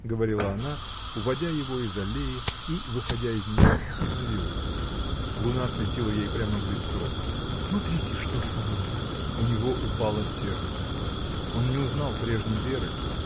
— говорила она, уводя его из аллеи, и, выйдя из нее, остановилась. Луна светила ей прямо в лицо. — Смотрите, что со мной! У него упало сердце. Он не узнал прежней Веры.